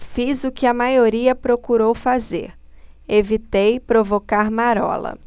fiz o que a maioria procurou fazer evitei provocar marola